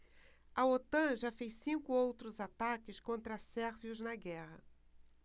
a otan já fez cinco outros ataques contra sérvios na guerra